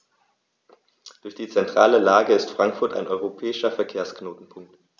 Durch die zentrale Lage ist Frankfurt ein europäischer Verkehrsknotenpunkt.